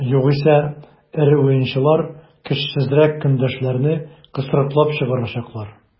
Югыйсә эре уенчылар көчсезрәк көндәшләрне кысрыклап чыгарачаклар.